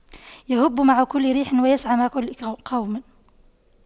يَهُبُّ مع كل ريح ويسعى مع كل قوم